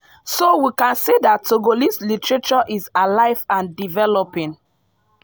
So we can say that Togolese literature is alive and developing.